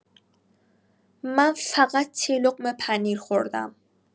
من فقط یه لقمه پنیر خوردم.